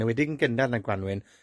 enwedig yn gynnar yn y Gwanwyn,